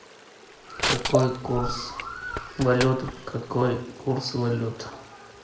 какой курс валют какой курс валют